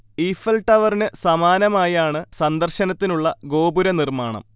Eiffel ടവറിനു സമാനമായി ആണ് സന്ദര്ശനത്തിനുള്ള ഗോപുര നിർമാണം